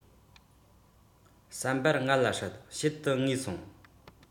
བསམ པར ང ལ སྲིད ཕྱེད དུ ངུས སོང